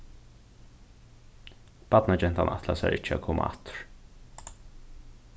barnagentan ætlar sær ikki at koma aftur